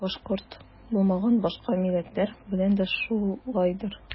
Башкорт булмаган башка милләтләр белән дә шулайдыр.